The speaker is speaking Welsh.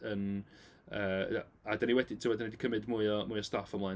Yn yy... ia, a dan ni wedi timod dan ni 'di cymyd mwy o mwy o staff ymlaen.